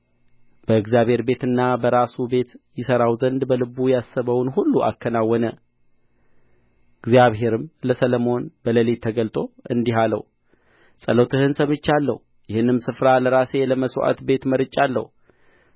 በእግዚአብሔር ቤትና በራሱ ቤት ይሠራው ዘንድ በልቡ ያሰበውን ሁሉ አከናወነ እግዚአብሔርም ለሰሎሞን በሌሊት ተገልጦ እንዲህ አለው ጸሎትህን ሰምቻለሁ ይህንም ስፍራ ለራሴ ለመሥዋዕት ቤት መርጫለሁ